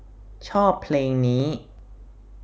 ชอบเพลงนี้